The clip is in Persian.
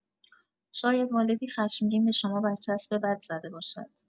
شاید والدی خشمگین به شما برچسب بد زده باشد.